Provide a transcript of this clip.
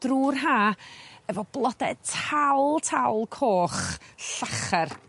drw'r Ha efo blode tal tal coch llachar.